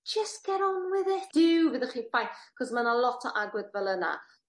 just get on with it. Duw fyddwch chi'n ffein. 'C'os ma' 'na lot o agwedd fel yna.